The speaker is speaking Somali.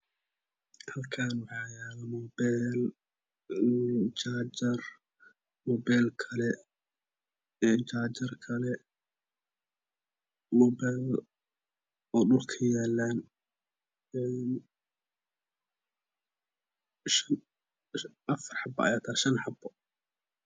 Meeshaan waxaa yaalo mobeel jaajar, mobeel kale, jaajar kale. moobeello oo dhulka yaalaan been bustud afar xabo ayaa Tasso Shan xabo